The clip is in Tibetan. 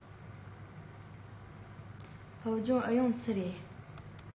ནམ མཁར ཤོག བྱ རིམ གྱི ཇེ མང དུ གྱུར ཅིང ས སྟེང དུ བྱིས པའང མང དུ ཕྱིན